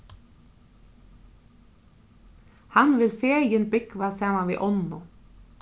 hann vil fegin búgva saman við onnu